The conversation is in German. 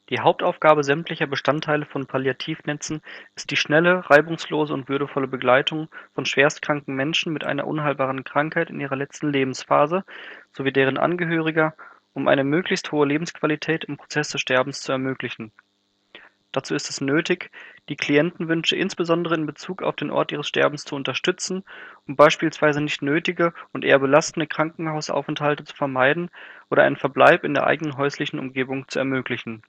Hauptaufgabe sämtlicher Bestandteile von Palliativnetzen ist die schnelle, reibungslose und würdevolle Begleitung von schwerstkranken Menschen mit einer unheilbaren Krankheit in ihrer letzten Lebensphase sowie deren Angehöriger, um eine möglichst hohe Lebensqualität im Prozess des Sterbens zu ermöglichen. Dazu ist es nötig, die Klientenwünsche insbesondere in Bezug auf den Ort ihres Sterbens zu unterstützen, um bspw. nicht nötige und eher belastende Krankenhausaufenthalte zu vermeiden oder einen Verbleib in der eigenen häuslichen Umgebung zu ermöglichen